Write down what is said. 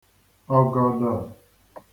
ọ̀gọ̀dọ̀